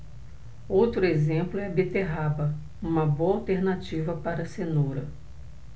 outro exemplo é a beterraba uma boa alternativa para a cenoura